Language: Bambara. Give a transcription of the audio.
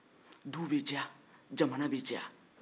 du be diya jamana be diya